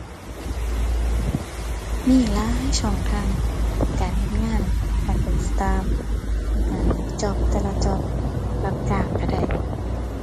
มีหลายช่องทาง การเฮ็ดงาน การเป็นสตาฟ การเฮ็ดจ็อบแต่ละจ็อบ รับจ้างก็ได้